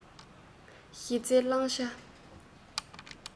ཡུས ཀྲེང ཧྲེང གིས ཁ གཏད བོད སྐྱོར ལས དོན གྱི མཛུབ ཁྲིད བསམ བློ དང